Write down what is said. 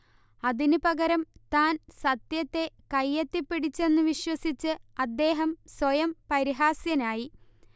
അതിന് പകരം താൻ സത്യത്തെ കയ്യെത്തിപ്പിടിച്ചെന്ന് വിശ്വസിച്ച് അദ്ദേഹം സ്വയം പരിഹാസ്യനായി